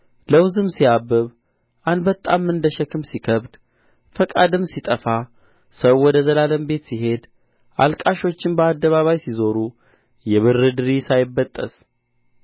ለውዝም ሲያብብ አንበጣም እንደ ሸክም ሲከብድ ፈቃድም ሲጠፋ ሰው ወደ ዘላለም ቤት ሲሄድ አልቃሾችም በአደባባይ ሲዞሩ የብር ድሪ ሳይበጠስ